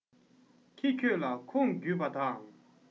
ཁྱི ཁྱོད ལ ཁུངས བརྒྱུད པ དང